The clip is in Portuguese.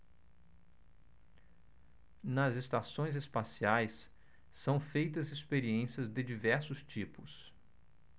nas estações espaciais são feitas experiências de diversos tipos